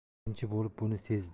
birinchi bo'lib buni sezdi